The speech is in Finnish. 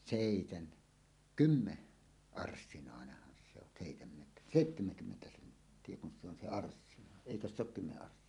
-- seitsemänkymmenarssinainenhan se on - seitsemänkymmentä senttiä kun se on se arssina eikös se ole kymmenen arssinainen